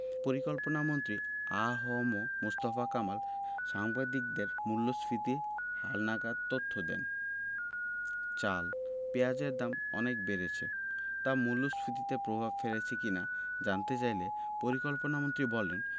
পরিকল্পনামন্ত্রী আ হ ম মুস্তফা কামাল সাংবাদিকদের মূল্যস্ফীতির হালনাগাদ তথ্য দেন চাল পেঁয়াজের দাম অনেক বেড়েছে তা মূল্যস্ফীতিতে প্রভাব ফেলছে কি না জানতে চাইলে পরিকল্পনামন্ত্রী বলেন